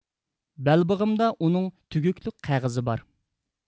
بەلبېغىمدا ئۇنىڭ تۈگۈكلۈك قەغىزى بار